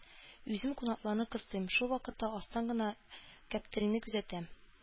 Үзем кунакларны кыстыйм, шул ук вакытта астан гына Гаптерине күзәтәм.